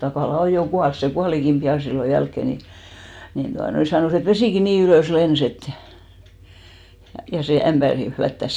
Takala on jo kuollut se kuolikin pian silloin jälkeen niin niin tuota noin sanoi että vesikin niin ylös lensi että ja sen ämpärin flättäsi